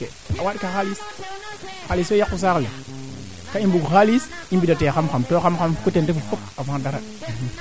parce que o ndeeta ngaan des fois kaa i nga a maa ando naye koo kaa ngeñ maak a ref ma a doxel roog fee demb daand le sax pour te sax maaga